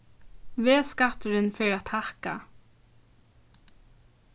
vegskatturin fer at hækka